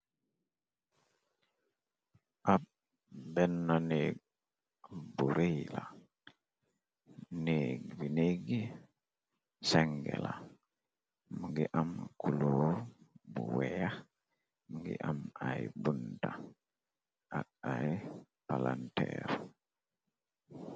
Ab bennaneg bu reila neginegi shengela. Mi ngi am kulor bu weya mngi am ay bunta ak ay palanteer.